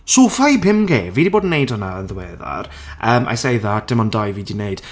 Soffa i pum K, fi 'di bod yn wneud hwnna'n ddiweddar yym I say that, dim ond dau fi 'di wneud.